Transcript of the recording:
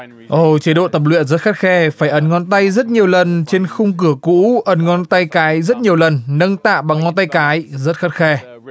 ồ chế độ tập luyện rất khắt khe phải ấn ngón tay rất nhiều lần trên khung cửa cũ ấn ngón tay cái rất nhiều lần nâng tạ bằng ngón tay cái rất khắt khe